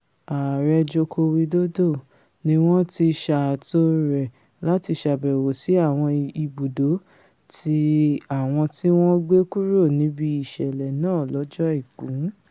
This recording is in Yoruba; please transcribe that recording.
Ààrẹ Joko Widodo ni wọ́n ti ṣààtò rẹ̀ láti ṣàbẹ̀wò sí àwọn ibùdó tí àwọn tíwọn gbé kuro níbi ìṣẹ̀lẹ̀ náà lọ́jọ́ Àìkú.